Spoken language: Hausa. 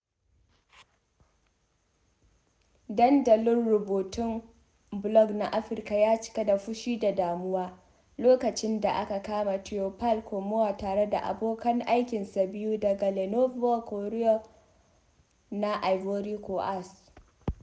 Dandalin rubutun blog na Afirka ya cika da fushi da damuwa lokacin da aka kama Théophile Kouamouo tare da abokan aikinsa biyu daga Le Nouveau Courrier na Ivory Coast.